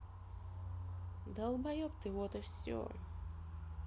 долбоеб ты вот и все